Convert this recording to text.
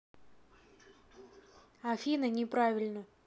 афина неправильно